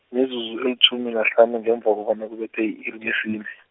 mizuzu elitjhumi nahlanu ngemva kobana kubethe i-iri lesine.